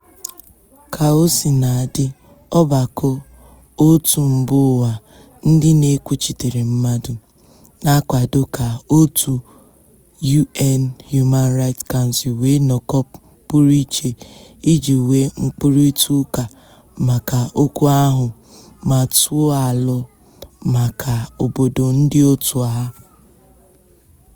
Kaosinadị, ọgbakọ òtù mbaụwa ndị na-ekwuchitere mmadụ, na-akwado ka òtù UN Human Rights Council nwee nnọkọ pụrụ iche iji nwee mkparịtaụka maka okwu ahụ ma tụọ alo maka obodo ndịòtù ha.